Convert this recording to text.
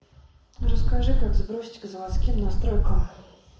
расскажи как сбросить к заводским настройкам